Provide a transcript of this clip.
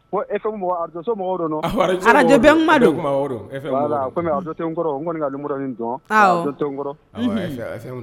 E